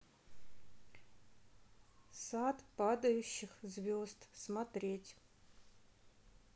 сад падающих звезд смотреть